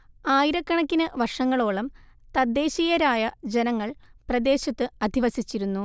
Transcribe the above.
ആയിരക്കണക്കിന് വർഷങ്ങളോളം തദ്ദേശീയരായ ജനങ്ങൾ പ്രദേശത്ത് അധിവസിച്ചിരുന്നു